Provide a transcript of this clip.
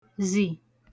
-zì